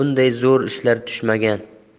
bunday zo'r ishlar tushmagan